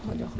ma jox la